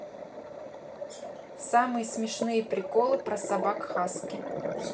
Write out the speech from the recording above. самые смешные приколы про собак хаски